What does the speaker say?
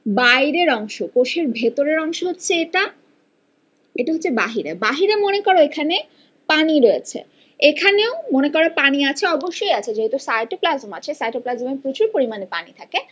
বাইরের অংশ কোষের ভেতরের অংশ হচ্ছে এটা এটা হচ্ছে বাহিরে বাহিরে মনে কর এখানে পানি রয়েছে এখানেও মনে কর পানি আছে অবশ্যই আছে যেহেতু সাইটোপ্লাজম আছে সাইটোপ্লাজমের প্রচুর পরিমাণে পানি থাকে